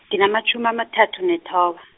nginamatjhumi amathathu nethoba.